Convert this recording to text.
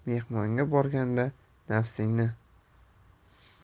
tiy mehmonga borganda nafsingni